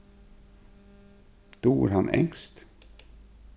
dugir hann enskt